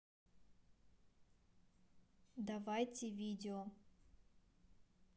давайте видео